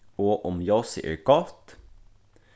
og um ljósið er gott